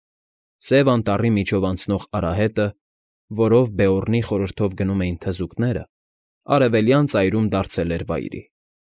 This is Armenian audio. Սև Անտառի միջոց անցնող արահետը, որով Բեորնի խորհրդով գնում էին թզուկները, արևելյան ծայրում դարձել էր վայրի։